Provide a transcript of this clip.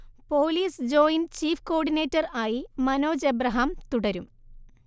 police joint chief coordinator ആയി മനോജ് എബ്രഹാം തുടരും